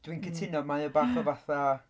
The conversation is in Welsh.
Dwi'n cytuno... mm. ...mae o bach... ia. ...o fatha...